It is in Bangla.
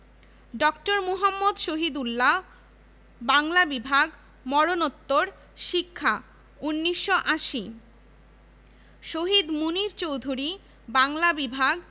ড. মুহম্মদ শহীদুল্লাহ বাংলা বিভাগ মরণোত্তর শিক্ষা ১৯৮০ শহীদ মুনীর চৌধুরী বাংলা বিভাগ